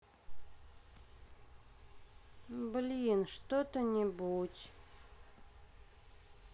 блин что то нибудь